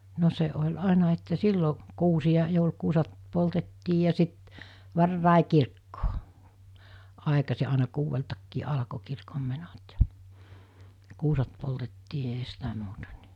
no se oli aina että silloin kuusia joulukuuset poltettiin ja sitten varhain kirkkoon aikaisin aina kuudeltakin alkoi kirkonmenot ja kuuset poltettiin eihän sitä muuta niin